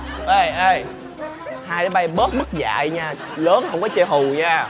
ây ây hai đứa bay bớt mất dạy nha lớn không có chơi hù nha